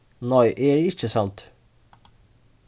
nei eg eri ikki samdur